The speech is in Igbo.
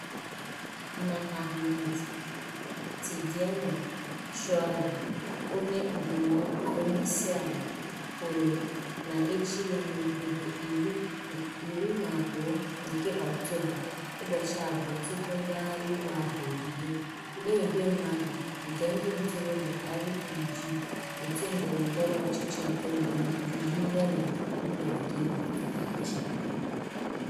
Ma, Ahmed Tidiane Traoré, onye ndụmọdụ onyeisiala, kwuru n'echi ya n'ụbọchị 12 nke Ọktoba, —ụbọchị abụọ tupu ngagharị iwe ahụ ebido, — nye igwe mmadụ nke ndị ntorobịa RPG [òtù ndọrọ ndọrọ ọchịchị nke Reunion of the People of Guinea na-achị]: